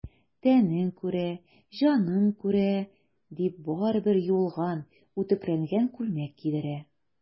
Тәнең күрә, җаның күрә,— дип, барыбер юылган, үтүкләнгән күлмәк кидерә.